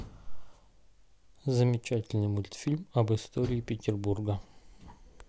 замечательный мультфильм об истории петербурга